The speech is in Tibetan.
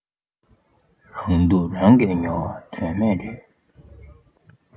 རང སྡུག རང གིས ཉོ བ དོན མེད རེད